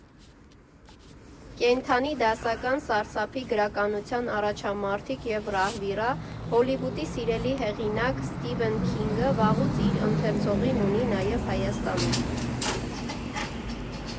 Կենդանի դասական, սարսափի գրականության առաջամարտիկ և ռահվիրա, Հոլիվուդի սիրելի հեղինակ Սթիվեն Քինգը վաղուց իր ընթերցողին ունի նաև Հայաստանում։